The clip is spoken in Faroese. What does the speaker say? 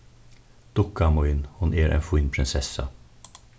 dukka mín hon er ein fín prinsessa